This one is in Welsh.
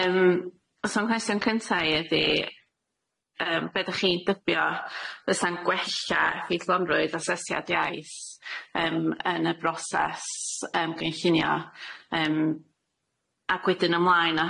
Yym so'n nghwestiwn cynta i ydi yym be' dach chi'n dybio fysa'n gwella effeithlonrwydd asesiad iaith yym yn y broses yym gynllunio yym ag wedyn ymlaen o